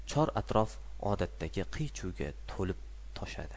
chor atrof odatdagi qiy chuvga to'lib toshadi